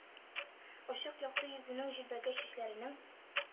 Ачык, якты йөзенең, җилбәгәй чәчләренең,